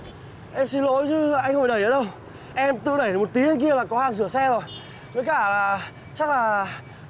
em xin lỗi chứ anh không phải đẩy nữa đâu em tự đẩy được một tí lên kia là có hàng sửa xe rồi với cả là chắc là